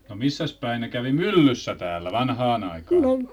no missäs päin ne kävi myllyssä täällä vanhaan aikaan